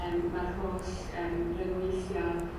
yym ma'r holl yym ryngweithio